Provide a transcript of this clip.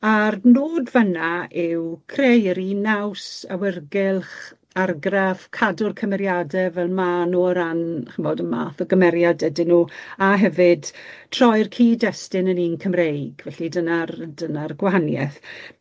a'r nod fan 'na yw creu'r un naws awyrgylch, argraff, cadw'r cymeriade fel ma' nw o ran, chimod, y math o gymeriad ydyn nhw a hefyd troi'r cyd-destun yn un Cymreig, felly dyna'r dyna'r gwahanieth.